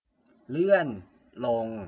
เลื่อนลง